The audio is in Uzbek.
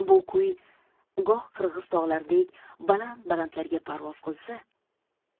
bu kuy goh qirg'iz tog'laridek baland balandlarga parvoz qilsa